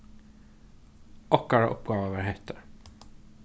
okkara uppgáva var hettar